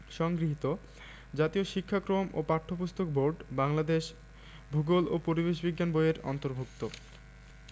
সংগৃহীত জাতীয় শিক্ষাক্রম ও পাঠ্যপুস্তক বোর্ড বাংলাদেশ ভূগোল ও পরিবেশ বিজ্ঞান বই এর অন্তর্ভুক্ত